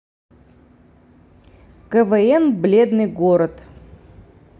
квн бледный город